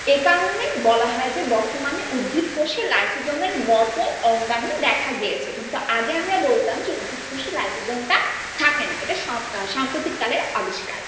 এ কারণে বলা হয়েছে বর্তমানে উদ্ভিদ কোষের লাইসোজোম এর মতন অঙ্গানু দেখা গিয়েছে কিন্তু আগে আমরা বলতাম উদ্ভিদ কোষে লাইসোজোম টা থাকে না এটা সাম্প্রতিককালের আবিষ্কার